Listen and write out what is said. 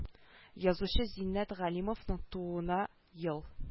Язучы зиннәт галимовның тууына ел